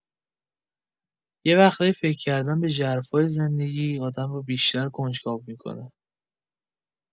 یه وقتایی فکر کردن به ژرفای زندگی آدم رو بیشتر کنجکاو می‌کنه.